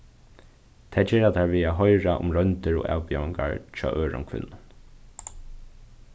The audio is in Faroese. tað gera tær við at hoyra um royndir og avbjóðingar hjá øðrum kvinnum